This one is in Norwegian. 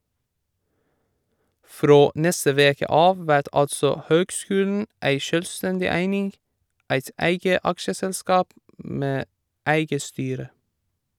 Frå neste veke av vert altså høgskulen ei sjølvstendig eining, eit eige aksjeselskap med eige styre.